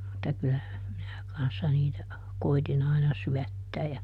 mutta kyllähän minä kanssa niitä koetin aina syöttää ja